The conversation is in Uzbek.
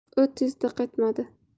u tezda qaytmadi